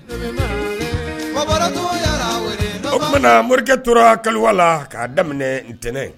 o tumana morikɛ tora kaliwa la k'a daminɛ ntɛnɛn